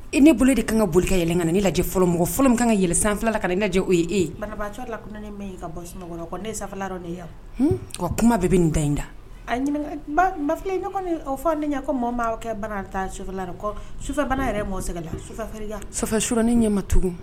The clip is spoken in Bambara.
I ne bolo de ka ka boli ka yɛlɛ ka ne lajɛ fɔlɔmɔgɔ fɔlɔ min ka kan ka yɛlɛɛlɛn san filala ka ne o ye e banabaa la ne kuma bɛ bɛ nin da in dafi fɔ ne ko mɔ kɛ sufɛ yɛrɛ mɔ sɛgɛ suurrin ɲɛma tugun